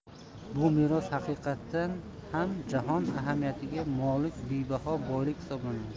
bu meros haqiqatan ham jahon ahamiyatiga molik bebaho boylik hisoblanadi